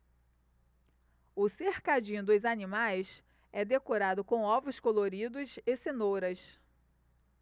o cercadinho dos animais é decorado com ovos coloridos e cenouras